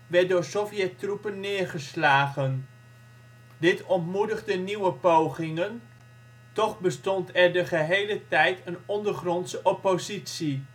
werd door Sovjettroepen neergeslagen. Dit ontmoedigde nieuwe pogingen, toch bestond er de gehele tijd een ondergrondse oppositie